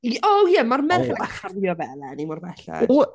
I- O, ie, mae'r merched yn cario fe eleni, mor belled.